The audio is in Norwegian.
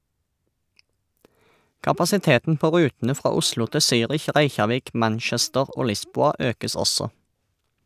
Kapasiteten på rutene fra Oslo til Zürich, Reykjavik, Manchester og Lisboa økes også.